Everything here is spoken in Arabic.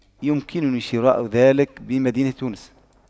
يمكنني شراء ذلك بمدينة تونس